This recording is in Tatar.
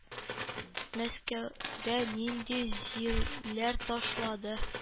Мәскәүгә нинди җилләр ташлады?